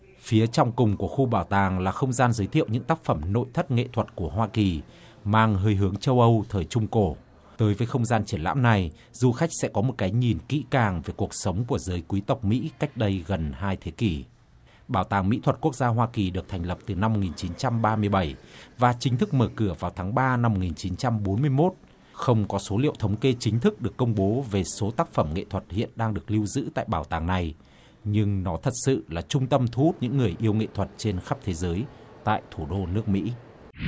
phía trong cùng của khu bảo tàng là không gian giới thiệu những tác phẩm nội thất nghệ thuật của hoa kỳ mang hơi hướng châu âu thời trung cổ tới với không gian triển lãm này du khách sẽ có một cái nhìn kỹ càng về cuộc sống của giới quý tộc mỹ cách đây gần hai thế kỷ bảo tàng mỹ thuật quốc gia hoa kỳ được thành lập từ năm một nghìn chín trăm ba mươi bảy và chính thức mở cửa vào tháng ba năm một nghìn chín trăm bốn mươi mốt không có số liệu thống kê chính thức được công bố về số tác phẩm nghệ thuật hiện đang được lưu giữ tại bảo tàng này nhưng nó thật sự là trung tâm thu hút những người yêu nghệ thuật trên khắp thế giới tại thủ đô nước mỹ